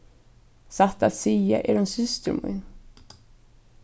satt at siga er hon systir mín